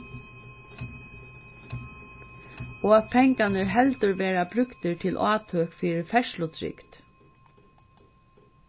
og at pengarnir heldur verða brúktir til átøk fyri ferðslutrygd